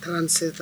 Taa seta